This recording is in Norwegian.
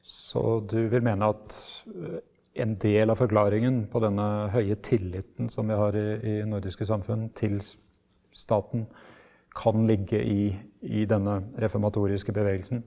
så du vil mene at en del av forklaringen på denne høye tilliten som vi har i i nordiske samfunn til staten kan ligge i i denne reformatoriske bevegelsen?